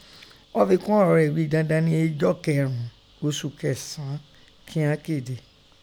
Ọ́ fikun ọrọ rẹ ghíi dandan ni ijọ kẹrùn ún, osu Kẹsan kíghọn kede.